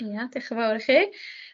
Ia dioch yn fowr i chi.